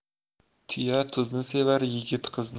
tuya tuzni sevar yigit qizni